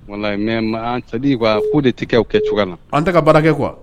Wala mɛ sa kuwa ko de tɛ kɛ kɛ cogoya na an taga baara kɛ kuwa